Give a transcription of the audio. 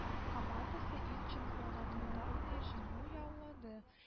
Командасы ил чемпионатында гына җиңү яулады